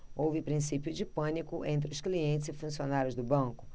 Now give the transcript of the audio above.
houve princípio de pânico entre os clientes e funcionários do banco